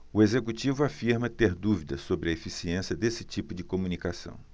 o executivo afirma ter dúvidas sobre a eficiência desse tipo de comunicação